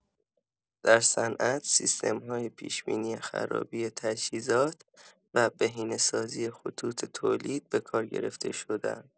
در صنعت، سیستم‌های پیش‌بینی خرابی تجهیزات و بهینه‌سازی خطوط تولید به کار گرفته شده‌اند.